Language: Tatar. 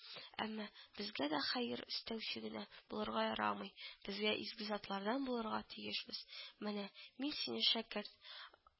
Әмма безгә дә хәер өстәүче генә булырга ярамый. Безгә изге затлардан булырга тиешбез. Менә мин сине, шәкерт